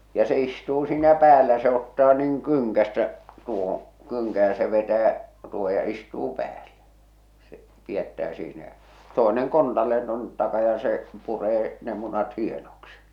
ja se istuu siinä päällä se ottaa noin kynkästä tuohon kynkän ja se vetää tuohon ja istuu päälle se pidättää siinä ja toinen kontalleen tuonne taa ja se puree ne munat hienoksi